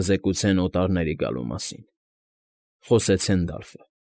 Կզեկուցեն օտարների գալու մասին,֊ խոսեց Հենդալֆը։